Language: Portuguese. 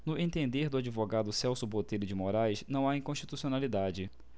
no entender do advogado celso botelho de moraes não há inconstitucionalidade